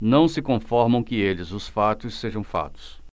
não se conformam que eles os fatos sejam fatos